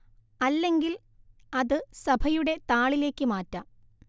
അല്ലെങ്കിൽ അത് സഭയുടെ താളിലേക്ക് മാറ്റാം